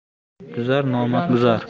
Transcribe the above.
mard tuzar nomard buzar